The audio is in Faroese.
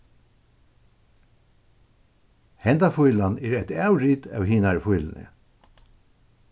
hendan fílan er eitt avrit av hinari fíluni